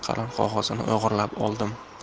qalin qog'ozini o'g'irlab oldim